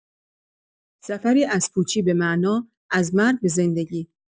سفری از پوچی به معنا، از مرگ به زندگی.